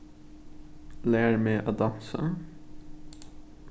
lær meg at dansa